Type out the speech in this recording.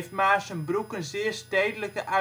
Maarssenbroek een zeer stedelijke